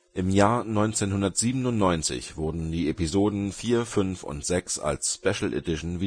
Im Jahr 1997 wurden die Episoden IV, V und VI als „ Special Edition “wiederveröffentlicht